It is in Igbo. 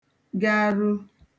garu